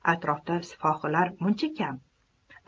atrofda sipohilar muncha kam